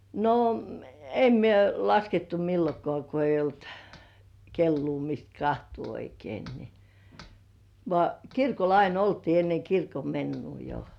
no en minä laskettu milloinkaan kun ei ollut kelloa mistä katsoa oikein niin vaan kirkolla aina oltiin ennen kirkonmenoa jo